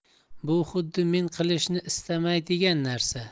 bu xuddi men qilishni istamaydigan narsa